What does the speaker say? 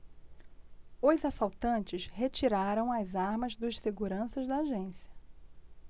os assaltantes retiraram as armas dos seguranças da agência